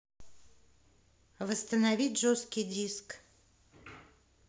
восстановить жесткий диск